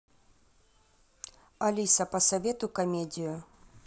алиса посоветуй комедию